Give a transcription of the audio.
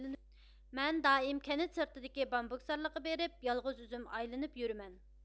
مەن دائىم كەنت سىرتىدىكى بامبۇكزارلىققا بېرىپ يالغۇز ئۆزۈم ئايلىنىپ يۈرىمەن